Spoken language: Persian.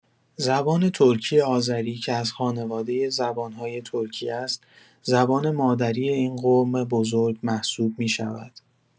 زبان ترکی آذری که از خانواده زبان‌های ترکی است، زبان مادری این قوم بزرگ محسوب می‌شود.